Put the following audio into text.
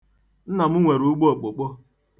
Nna m nwere ugbo okpokpo.